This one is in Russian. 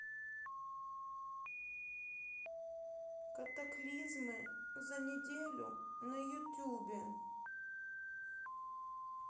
катаклизмы за неделю на ютубе